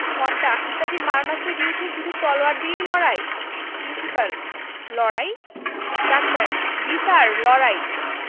ঘণ্টা ইত্যাদি মারণাস্ত্রের বিরুদ্ধে শুধু তলোয়ার দিয়ে লড়াই প্রিন্সিপাল লড়াই ডাক্তার জ্বী স্যার লড়াই